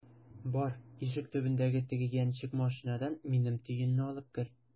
Бар, ишек төбендәге теге яньчек машинадан минем төенне алып кер!